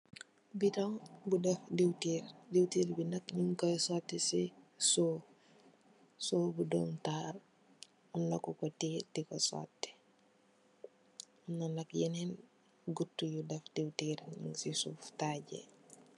bidong bu deff dewtirr. Dewtirr bi nak nyungkoi soti sey sewo, sewo bu domi tahal am na kuko teyeh diko soti mom ak yenen gutu yu deff dewtirr nyung sey suuf Tajeh.